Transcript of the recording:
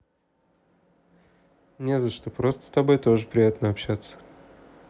не за что просто с тобой тоже приятно общаться